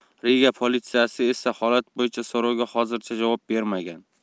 riga politsiyasi esa holat bo'yicha so'rovga hozircha javob bermagan